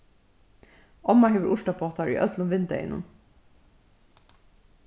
omma hevur urtapottar í øllum vindeygunum